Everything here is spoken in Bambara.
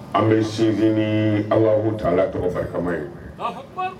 An bɛ sinsin ni ala u' la cɛkɔrɔba kama ye